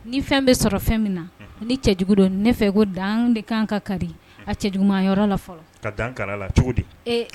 Ni fɛn bɛ sɔrɔ fɛn min na ni cɛ jugu don ne fɛ ko dan de kan ka ka di a cɛ jugu yɔrɔ la fɔlɔ ka kala la cogo di